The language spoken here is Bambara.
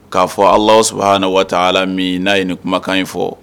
K'a fɔ ala saba na waa ala min n'a ye nin kumakan in fɔ